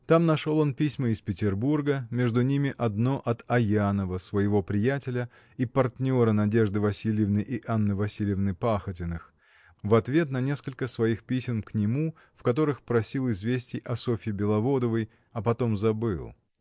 Там нашел он письма из Петербурга, между ними одно от Аянова, своего приятеля и партнера Надежды Васильевны и Анны Васильевны Пахотиных, в ответ на несколько своих писем к нему, в которых просил известий о Софье Беловодовой, а потом забыл.